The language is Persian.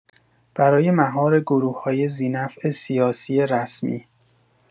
برای مهار گروه‌های ذی‌نفع سیاسی رسمی